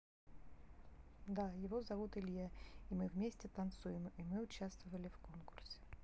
да его зовут илья и мы вместе танцуем и мы участвовали в конкурсе